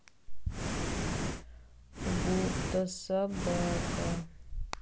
гутта собака